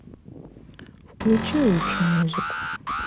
включи лучше музыку